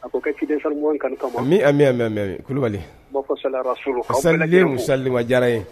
A fɔ ko ciden sanuman kanu kama, ami ami ami ami, Kulubali, n b'a fɔ salalahu a diyara n ye